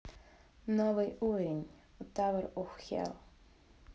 новый уровень tower of hell